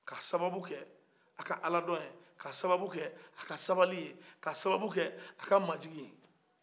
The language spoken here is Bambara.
ka sababu kɛ a ka ala don ye ka sababu kɛ a ka sabali ye ka sababu kɛ ka sababu kɛ a ka majigin ye